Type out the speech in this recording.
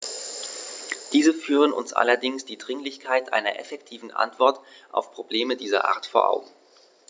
Diese führen uns allerdings die Dringlichkeit einer effektiven Antwort auf Probleme dieser Art vor Augen.